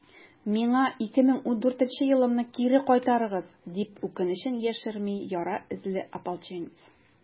«миңа 2014 елымны кире кайтарыгыз!» - дип, үкенечен яшерми яра эзле ополченец.